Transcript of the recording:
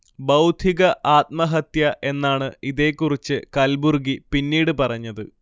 'ബൗദ്ധിക ആത്മഹത്യ' എന്നാണ് ഇതേകുറിച്ച് കൽബുർഗി പിന്നീട് പറഞ്ഞത്